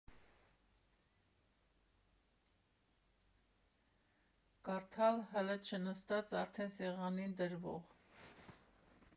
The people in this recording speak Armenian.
Կարդալ՝ հըլը չնստած արդեն սեղանին դրվող։